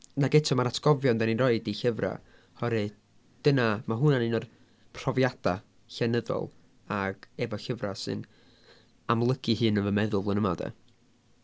Ac eto mae'r atgofion dan ni'n rhoi i llyfrau oherwy- dyna ma' hwnna'n un o'r profiadau llenyddol. Ac efo llyfrau sy'n amlygu'i hun yn fy meddwl flwyddyn yma de.